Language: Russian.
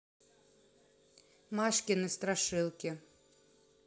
машкины страшилки